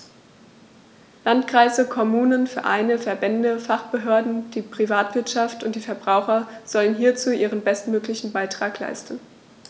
Landkreise, Kommunen, Vereine, Verbände, Fachbehörden, die Privatwirtschaft und die Verbraucher sollen hierzu ihren bestmöglichen Beitrag leisten.